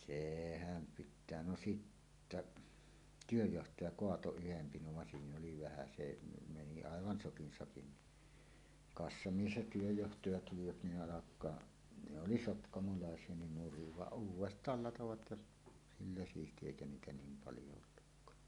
sehän pitää no sitten työnjohtaja kaatoi yhden pinon vaan siinä oli vähän se ne meni aivan sokin sakin niin kassamies ja työnjohtaja tulivat niin alkaa ne oli sotkamolaisia niin nurin vaan uudestaan latoivat ja sillä siisti eikä niitä niin paljon ollutkaan